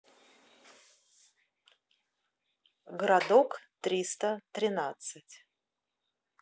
городок триста тринадцать